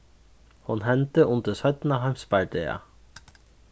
hon hendi undir seinna heimsbardaga